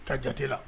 Ka jate la